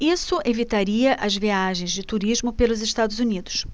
isso evitaria as viagens de turismo pelos estados unidos